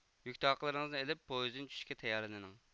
يۈك تاقلىرىڭىزنى ئېلىپ پويىزدىن چۈشۈشكە تەييارلىنىڭ